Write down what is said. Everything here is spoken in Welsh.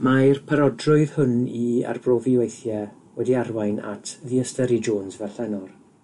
Mae'r parodrwydd hwn i arbrofi weithiau wedi arwain at ddiystyru Jones fel llenor.